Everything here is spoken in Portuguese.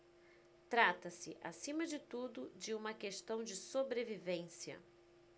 trata-se acima de tudo de uma questão de sobrevivência